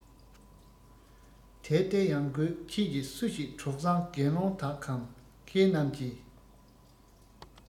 དེར བརྟེན ཡང གོས ཁྱེད ཀྱི སུ ཞིག གྲོགས བཟང དགེ སློང དག གམ མཁས རྣམས ཀྱིས